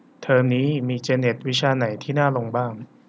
เทอมนี้มีเจ็นเอ็ดวิชาไหนที่น่าลงบ้าง